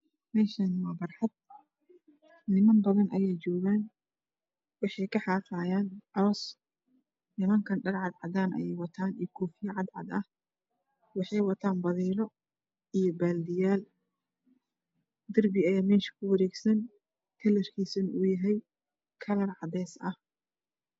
Meshani waa barxad niman badan ayaa joogan wexeey ka haqashayn coos nimanka dhar cadcadan ayeey watan iyo kofiuad cadcad ah wexeey watan badiilo iyo baldiyaal derbi ayaa mesha ku wareegsan kalarkisuna uu yahay kalar cadees ah